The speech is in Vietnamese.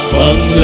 bằng lời ca